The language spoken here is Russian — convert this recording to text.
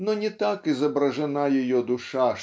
но не так изображена ее душа